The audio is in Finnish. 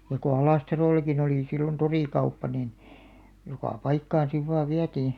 ja kun Alastarollakin oli silloin torikauppa niin joka paikkaan sitten vain vietiin